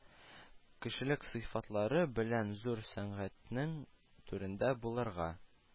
Кешелек сыйфатлары белән зур сәнгатьнең түрендә булырга